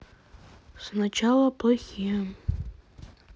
сначала плохие